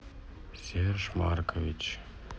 серж маркович